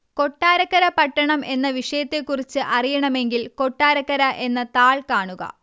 കൊട്ടാരക്കര പട്ടണം എന്ന വിഷയത്തെക്കുറിച്ച് അറിയണമെങ്കിൽ കൊട്ടാരക്കര എന്ന താൾ കാണുക